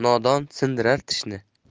nodon sindirar tishni